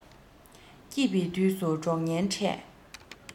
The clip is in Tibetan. སྐྱིད པའི དུས སུ གྲོགས ངན འཕྲད